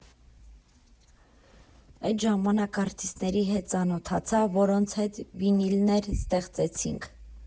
Էդ ժամանակ արտիստների հետ ծանոթացա, որոնց հետ վինիլներ ստեղծեցինք։